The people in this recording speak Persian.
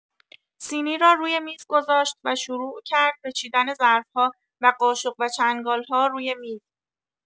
سینی را روی میز گذاشت و شروع کرد به چیدن ظرف‌ها و قاشق و چنگال‌ها روی میز.